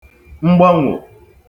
mgbanwò